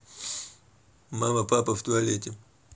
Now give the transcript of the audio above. мама папа в туалете